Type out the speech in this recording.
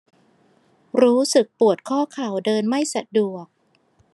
รู้สึกปวดข้อเข่าเดินไม่สะดวก